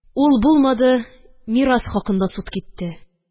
Ул булмады, мирас хакында суд китте.